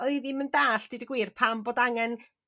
o'ddi ddim yn dalld deud y gwir pam bod angen